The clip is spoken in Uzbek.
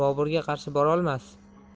boburga qarshi borolmas